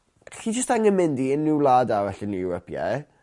Chi jyst angen mynd i unryw wlad arall yn Ewrop ie?